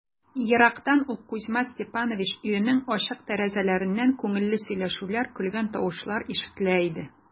Ерактан ук Кузьма Степанович өенең ачык тәрәзәләреннән күңелле сөйләшүләр, көлгән тавышлар ишетелә иде.